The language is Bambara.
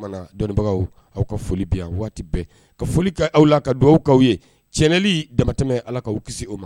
Dɔnnibagaw aw ka foli bi yan waati bɛɛ ka foli aw la ka dugawu awkaw ye cɛnli damatɛmɛ ala k'aw kisi o ma